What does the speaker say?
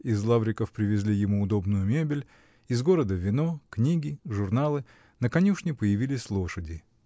из Лавриков привезли ему удобную мебель, из города вино, книги, журналы на конюшне появились лошади